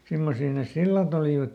semmoisia ne sillat olivat